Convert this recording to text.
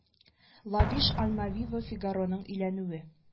Лабиш альмавива фигароның өйләнүе